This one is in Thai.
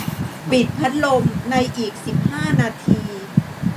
ปิดพัดลมในอีกสิบห้านาที